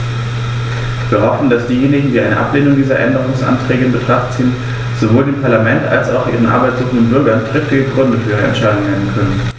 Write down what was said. Wir hoffen, dass diejenigen, die eine Ablehnung dieser Änderungsanträge in Betracht ziehen, sowohl dem Parlament als auch ihren Arbeit suchenden Bürgern triftige Gründe für ihre Entscheidung nennen können.